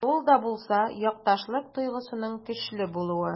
Ул да булса— якташлык тойгысының көчле булуы.